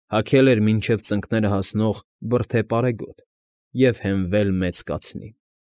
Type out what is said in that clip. Հագել էր մինչև ծնկները հասնող բրդե պարեգոտ և հենվել մեծ կացնին։